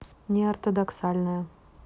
неортодоксальное